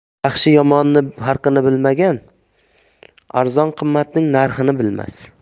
yaxshi yomonning farqini bilmagan arzon qimmatning narxini bilmas